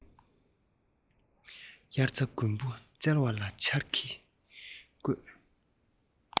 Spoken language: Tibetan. དབྱར རྩྭ དགུན འབུ བཙལ བ ལ འཆར གཞི བཀོད